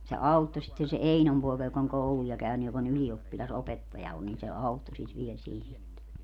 se auttoi sitten se Einon poika joka on kouluja käynyt joka on ylioppilas opettaja on niin se auttoi sitä vielä siinä sitten